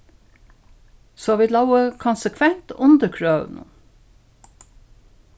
so vit lógu konsekvent undir krøvunum